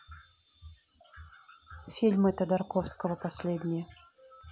фильмы тодарковского последние